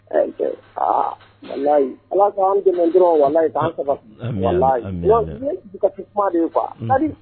Aayi ala k an dɔrɔn walayiyi ka kuma de faa